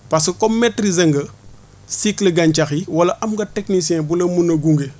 parce que comme maîtriser nga cycle gàncax yi wala am nga technicien :frabu la mun a gunge